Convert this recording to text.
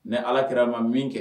Ni alakira ma min kɛ